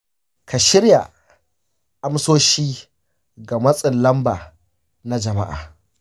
ka shirya amsoshi ga matsin lamba na jama’a.